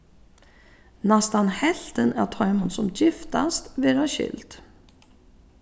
næstan helvtin av teimum sum giftast verða skild